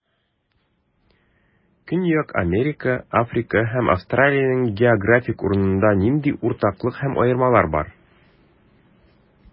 Көньяк Америка, Африка һәм Австралиянең географик урынында нинди уртаклык һәм аермалар бар?